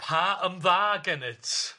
Pa ymdda gennit?